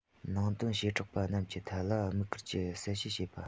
ནང དོན བྱེ བྲག པ རྣམས ཀྱི ཐད ལ དམིགས བཀར གྱིས གསལ བཤད བྱས པ